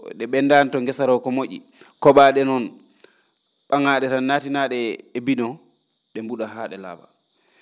?e ?enndaani to ngesa roo ko mo??i ko?aa ?e noon ?a?aa ?e ran naattinaa ?e e e bidon ?e mbu?at haa ?e laa?a